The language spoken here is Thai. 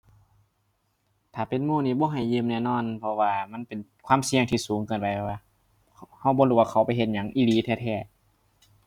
ถ้าเป็นหมู่นี่บ่ให้ยืมแน่นอนเพราะว่ามันเป็นความเสี่ยงที่สูงเกินไปบ่ว่ะ เราบ่รู้ว่าเขาไปเฮ็ดหยังอีหลีแท้แท้